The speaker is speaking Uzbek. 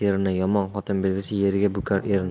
yomon xotin belgisi yerga bukar erini